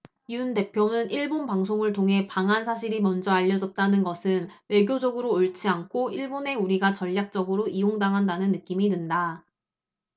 윤 대표는 일본 방송을 통해 방한 사실이 먼저 알려졌다는 것은 외교적으로 옳지 않고 일본에 우리가 전략적으로 이용당한다는 느낌이 든다